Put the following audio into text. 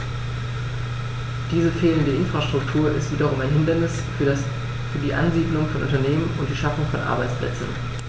Diese fehlende Infrastruktur ist wiederum ein Hindernis für die Ansiedlung von Unternehmen und die Schaffung von Arbeitsplätzen.